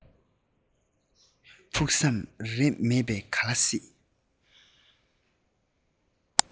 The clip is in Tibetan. ཕུགས བསམ རེ མེད པ ག ལ སྲིད